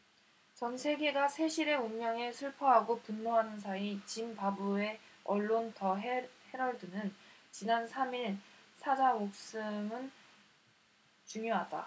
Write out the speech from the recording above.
전세계가 세실의 운명에 슬퍼하고 분노하는 사이 짐바브웨 언론 더헤럴드는 지난 삼 일 사자 목숨은 중요하다